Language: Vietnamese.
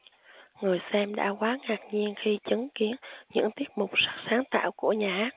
người xem đã quá ngạc nhiên khi chứng kiến những tiết mục rất sáng tạo của nhà hát